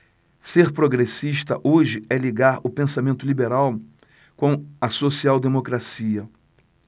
ser progressista hoje é ligar o pensamento liberal com a social democracia